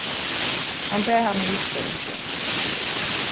hann bað hana hugsa um tað